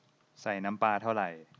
ใส่น้ำปลาเท่าไร